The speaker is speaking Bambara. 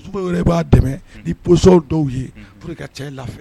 Yɛrɛ b'a dɛmɛ ni psaw dɔw yeur ka cɛ lafifɛ